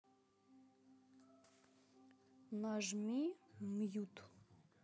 нажми мьют